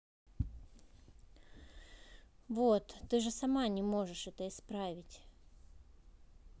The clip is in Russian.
вот ты же сама не можешь это исправить